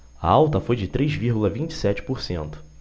a alta foi de três vírgula vinte e sete por cento